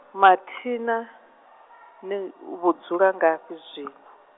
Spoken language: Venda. mathina, ni vho dzula ngafhi zwino?